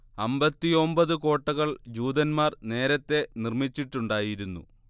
അമ്പത്തി ഒമ്പത് കോട്ടകൾ ജൂതന്മാർ നേരത്തെ നിർമ്മിച്ചിട്ടുണ്ടായിരുന്നു